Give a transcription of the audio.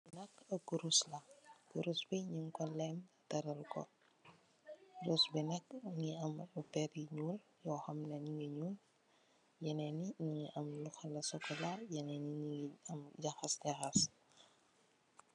Lii nak a kuruse laa, kuruse bii nyunko lemme teralko, mungii amm aii perr yuu nyoul ak chocola, yenenj yii mungii amm aii jahaseh.